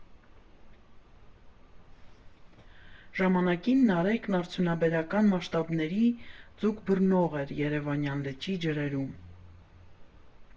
Ժամանակին Նարեկն արդյունաբերական մասշտաբների ձուկ բռնող էր Երևանյան լճի ջրերում։